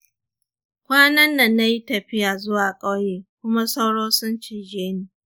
kwanan nan na yi tafiya zuwa ƙauye kuma sauro sun cije ni